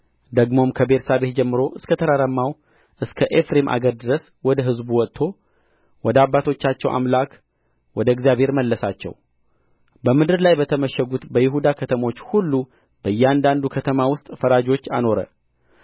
ደግሞም ከቤርሳቤህ ጀምሮ እስከ ተራራማው እስከ ኤፍሬም አገር ድረስ ወደ ሕዝቡ ወጥቶ ወደ አባቶቻቸው አምላክ ወደ እግዚአብሔር መለሳቸው በምድር ላይ በተመሸጉት በይሁዳ ከተሞች ሁሉ በእያንዳንዱ ከተማ ውስጥ ፈራጆች አኖረ